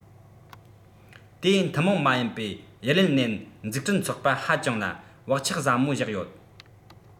དེའི ཐུན མོང མ ཡིན པའི ཡི ལིན ནན འཛུགས སྐྲུན ཚོགས པ ཧ ཅང ལ བག ཆགས ཟབ མོ བཞག ཡོད